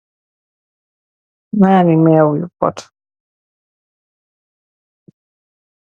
Nyerri yunou auto